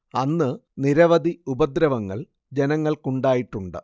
അന്ന് നിരവധി ഉപദ്രവങ്ങൾ ജനങ്ങൾക്കുണ്ടായിട്ടുണ്ട്